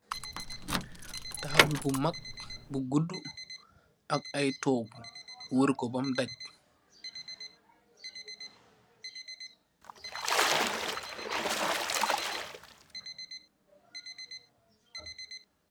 Taabul bu mag bu gudu ak ay togu worr ko beem dag.